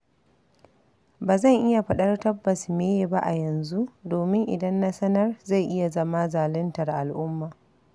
Ba zan iya faɗar tabbas me ye ba a yanzu domin idan na sanar, zai iya zama zaluntar al'umma.